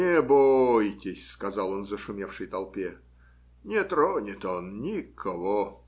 Не бойтесь, - сказал он зашумевшей толпе, - не тронет он никого.